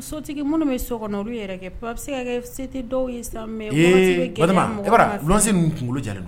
Sotigi minnu bɛ so kɔnɔ olu yɛrɛ kɛ bon a bɛ se ka kɛ se tɛ dɔw ye sa, ee Batɔma, i b'a don wa , luwanse ninnu kunkolo jalen don!